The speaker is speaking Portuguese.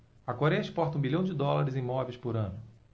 a coréia exporta um bilhão de dólares em móveis por ano